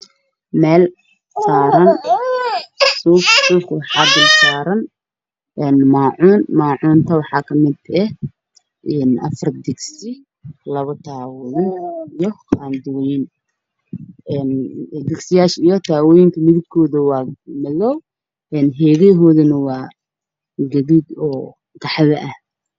Waa meel saaran suuf waxaa dulsaaran alaab maacuun waxaa kamid ah afar digsi iyo labo taawo Kalarkoodu waa gaduud oo qaxwi ah.